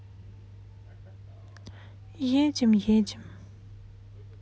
едим едем